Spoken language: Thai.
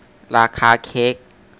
ราคาเค้ก